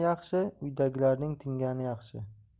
yaxshi uydagilarning tingani yaxshi